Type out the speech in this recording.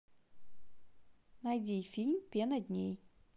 найди фильм пена дней